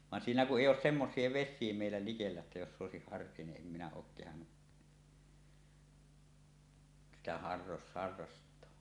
vaan siinä kun ei ole semmoisia vesiä meillä likellä että jossa olisi harreja niin en minä ole kehdannut sitä - harrastaa